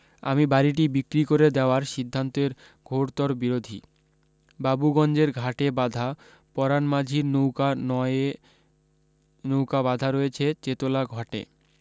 আমি বাড়ীটি বিক্রী করে দেওয়ার সিদ্ধান্তের ঘোরতর বিরোধী বাবুগঞ্জের ঘাটে বাঁধা পরাণ মাঝির নৌকা নয় এ নৌকা বাঁধা রয়েছে চেতলা ঘাটে